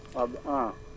ab ah